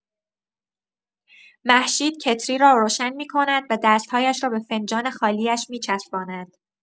مهشید کتری را روشن می‌کند و دست‌هایش را به فنجان خالی‌اش می‌چسباند.